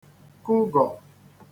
kụgọ̀